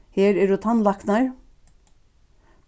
her eru tannlæknar